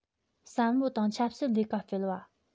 བསམ བློ དང ཆབ སྲིད ལས ཀ སྤེལ བ